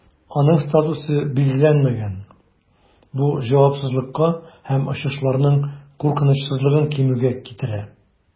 Аның статусы билгеләнмәгән, бу җавапсызлыкка һәм очышларның куркынычсызлыгын кимүгә китерә.